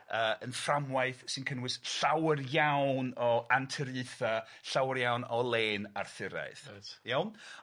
yy yn fframwaith sy'n cynnwys llawer iawn o anturiaethe llawer iawn o len Arthuraidd. Reit. Iawn?